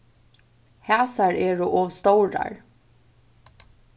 hasar eru ov stórar